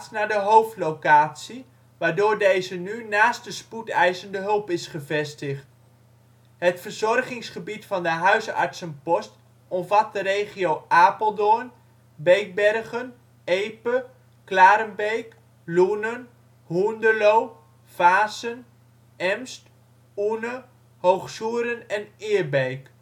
naar de hoofdlocatie, waardoor deze nu naast de Spoedeisende Hulp is gevestigd. Het verzorgingsgebied van de huisartsenpost omvat de regio Apeldoorn, Beekbergen, Epe, Klarenbeek, Loenen, Hoenderloo, Vaassen, Emst, Oene, Hoog Soeren en Eerbeek